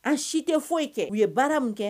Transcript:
An si tɛ foyisi kɛ u ye baara min kɛ